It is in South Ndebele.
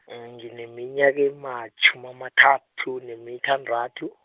ngineminyaka ematjhumini amathathu nemithandathu.